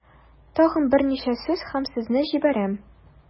Тагын берничә сүз һәм сезне җибәрәм.